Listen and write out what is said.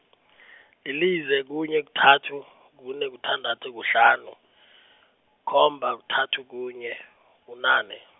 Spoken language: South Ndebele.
yilize, kunye, kuthathu, kune, kuthandathu, kuhlanu , khomba, kuthathu, kunye, kunane.